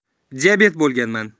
diabet bo'lganman